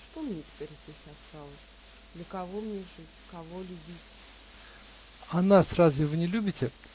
Что мне теперь здесь осталось? для кого мне жить? кого любить? -- А нас разве вы не любите?